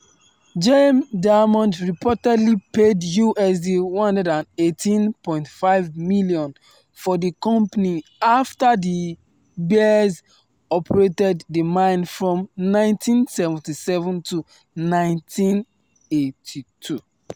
Gem Diamonds reportedly paid USD 118.5 million for the company after De Beers operated the mine from 1977 to 1982.